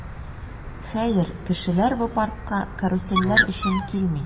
Хәер, кешеләр бу паркка карусельләр өчен килми.